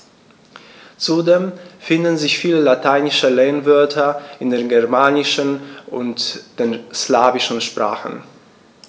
Zudem finden sich viele lateinische Lehnwörter in den germanischen und den slawischen Sprachen.